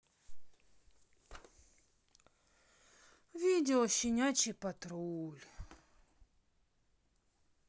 видео щенячий патруль